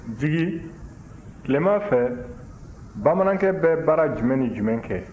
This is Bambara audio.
jigi tilema fɛ bamanankɛ bɛ baara jumɛn ni jumɛn kɛ